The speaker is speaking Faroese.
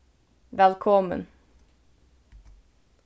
vælkomin